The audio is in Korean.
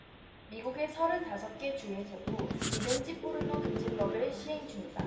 미국의 서른 다섯 개 주에서도 리벤지 포르노 금지법을 시행중이다